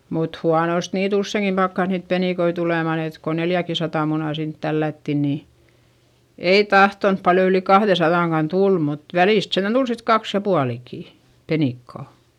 mutta huonosti niitä useinkin pakkasi niitä penikoita tulemaan että kun neljäkinsataa munaa sinne tällättiin niin ei tahtonut paljon yli kahdensadankaan tulla mutta välistä sentään tuli sitten kaksi ja puolikin penikkaa